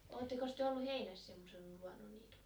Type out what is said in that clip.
olettekos te ollut heinässä semmoisella luonnonniityllä